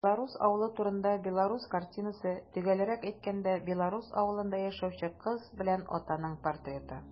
Белорус авылы турында белорус картинасы - төгәлрәк әйткәндә, белорус авылында яшәүче кыз белән атаның портреты.